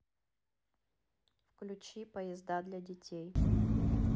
включи поезда для детей